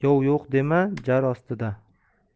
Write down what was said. yov yo'q dema jar ostida